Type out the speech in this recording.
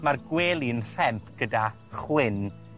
ma'r gwely'n rhemp gyda chwyn